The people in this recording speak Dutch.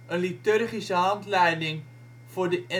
een liturgische handleiding voor de